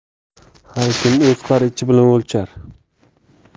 har kim o'z qarichi bilan o'lchar